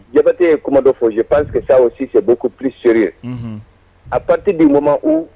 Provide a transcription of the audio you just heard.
Jabate ye kuma dɔ fɔ je pense que ça aussi c'est beaucoup sérieux unhun, à partir du moment où